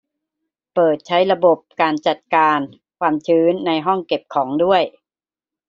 เปิดใช้ระบบการจัดการความชื้นในห้องเก็บของด้วย